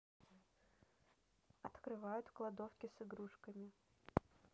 открывают кладовки с игрушками